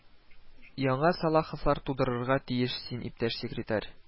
Яңа Салаховлар тудырырга тиеш син, иптәш секретарь